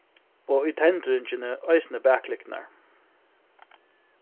og í tendringini eisini baklyktirnar